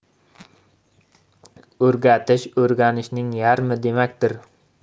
o'rgatish o'rganishning yarmi demakdir